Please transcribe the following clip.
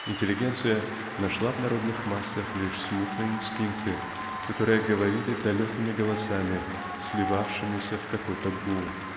Интеллигенция нашла в народных массах лишь смутные инстинкты которые говорили далекими голосами сливавшимися в какой-то гул.